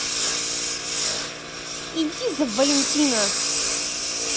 иди за валентина